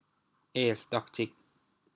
เอซดอกจิก